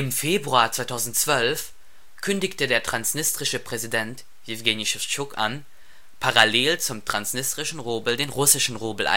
Februar 2012 kündigte der transnistrische Präsident Jewgeni Schewtschuk an, parallel zum transnistrischen Rubel den russischen Rubel